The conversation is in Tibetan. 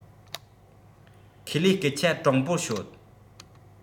ཁས ལེ སྐད ཆ དྲང པོ ཤོད